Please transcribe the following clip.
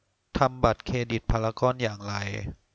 ทำบัตรเครดิตพารากอนอย่างไร